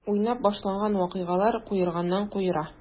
Уйнап башланган вакыйгалар куерганнан-куера.